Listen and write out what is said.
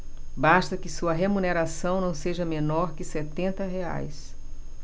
basta que sua remuneração não seja menor que setenta reais